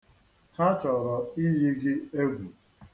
Ha chọrọ iyi gị egwu.